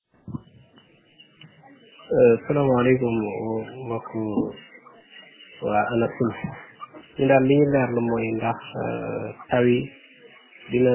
damaa am sama tool bu nekkee * toolu mboq * ay ay kaq ay gunóor ñoo koy lekk dañuy attaqué tool bi carrément ñaari hectares dañu ko attaqué complètement te fu mu nekk nii amatuma yaakaar si ñaari hectare yooyu